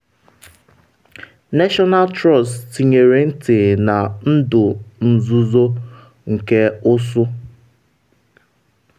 National Trust tinyere ntị na ndụ nzuzo nke ụsụ